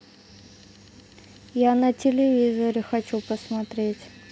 я на телевизоре хочу посмотреть